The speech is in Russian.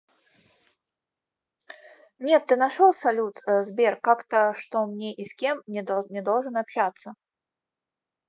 нет ты наш салют сбер как то что мне с кем не должен общаться